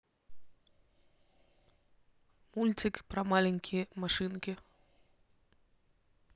мультик про маленькие машинки